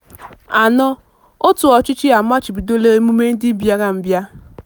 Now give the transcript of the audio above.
4. òtù ọchịchị a machibidola emume ndị mbịarambịa.